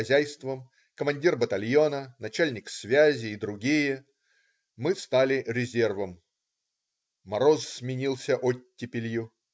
хозяйством, командир батальона, начальник связи и др. Мы стали резервом. Мороз сменился оттепелью.